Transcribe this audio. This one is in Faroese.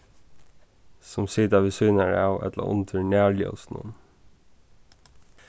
sum sita við síðurnar av ella undir nærljósunum